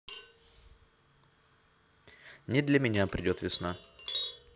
не для меня придет весна